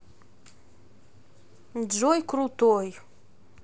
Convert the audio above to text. джой крутой